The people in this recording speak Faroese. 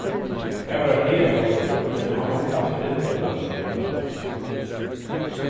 har var eitt hagaportur har úti og hann mátti altíð rinda tá ið tað skuldi umvælast